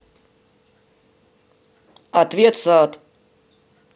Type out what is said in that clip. ответ сад